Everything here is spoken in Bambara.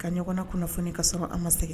Ka ɲɔgɔnna kunnafoni ka sɔrɔ an ma segin